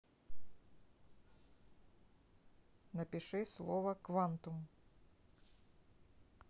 напиши слово квантум